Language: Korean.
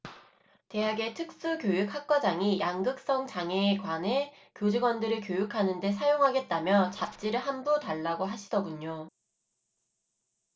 대학의 특수 교육학과장이 양극성 장애에 관해 교직원들을 교육하는 데 사용하겠다며 잡지를 한 부 달라고 하시더군요